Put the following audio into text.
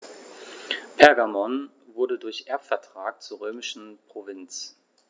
Pergamon wurde durch Erbvertrag zur römischen Provinz.